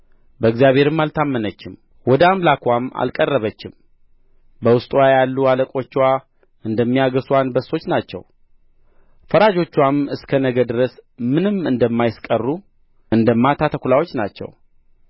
በእግዚአብሔርም አልታመነችም ወደ አምላክዋም አልቀረበችም በውስጥዋ ያሉ አለቆችዋ እንደሚያገሡ አንበሶች ናቸው ፈራጆችዋም እስከ ነገ ድረስ ምንም እንደማያስቀሩ እንደ ማታ ተኵላዎች ናቸው